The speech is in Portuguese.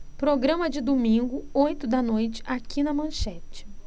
programa de domingo oito da noite aqui na manchete